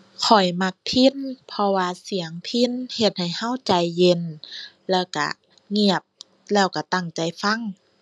ข้อยมักพิณ เพราะว่าเสียงพิณเฮ็ดให้เราใจเย็น แล้วเราเงียบ แล้วเราตั้งใจฟัง